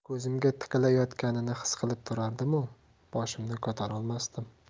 ko'zimga tikilayotganini his qilib turardimu boshimni ko'tarolmasdim